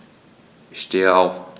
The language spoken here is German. Ich stehe auf.